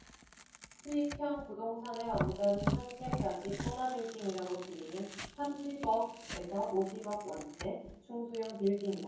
수익형 부동산의 왕좌는 현재까지 꼬마 빌딩이라고 불리는 삼십 억 에서 오십 억 원대 중소형 빌딩이다